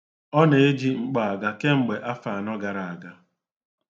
Ọ na-eji mkpọ aga kemgbe afọ anọ gara aga.